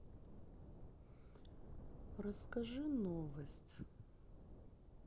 расскажи новость